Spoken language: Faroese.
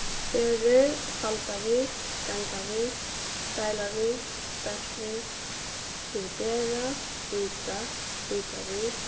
ferðir faldað við gangað við deila við deilt við dividera býta býta við